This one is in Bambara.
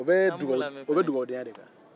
o bɛ dugawudenya de kan